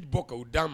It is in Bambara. I bɛ bɔ' d'a ma